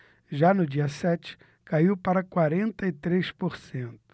já no dia sete caiu para quarenta e três por cento